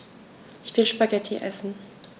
Ich will Spaghetti essen.